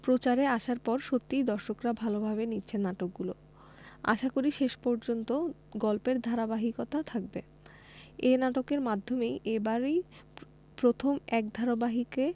প্রচারে আসার পর সত্যিই দর্শকরা ভালোভাবে নিচ্ছেন নাটকগুলো আশাকরি শেষ পর্যন্ত গল্পের ধারাবাহিকতা থাকবে এ নাটকের মাধ্যমেই এবারই প্রথম এক ধারাবাহিকে